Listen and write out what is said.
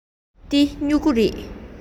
འདི སྨྱུ གུ རེད